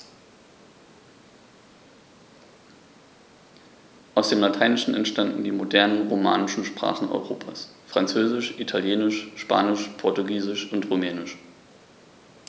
Aus dem Lateinischen entstanden die modernen „romanischen“ Sprachen Europas: Französisch, Italienisch, Spanisch, Portugiesisch und Rumänisch.